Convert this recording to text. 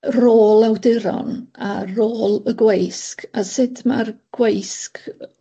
rôl awduron a rôl y gweisg a sut ma'r gweisg yy